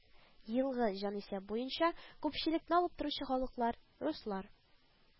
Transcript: Елгы җанисәп буенча күпчелекне алып торучы халыклар: руслар